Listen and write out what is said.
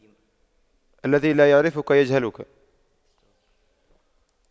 الذي لا يعرفك يجهلك